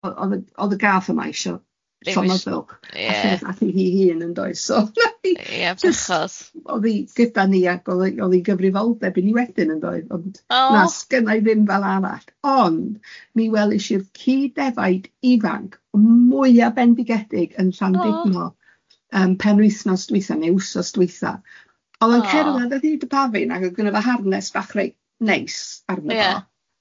o- o'dd y o'dd y gath yma isho llonyddwch a lle bach i hi hun yn doedd ... Ia bechod... so nath hi jest...Oh... o'dd hi gyda ni ac o'dd o'dd hi'n gyfrifoldeb i ni wedyn yn doedd ond na sgynna i ddim fel arall, ond mi welish i'r ci defaid ifanc mwya bendigedig yn Llandudno yym penwythnos dwytha ne wsos dwytha... Oh... o'dd o'n cerddad ar hyd y pafin ac o'dd genna fo harnes bach reit neis arny fo